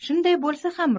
shunday bolsa ham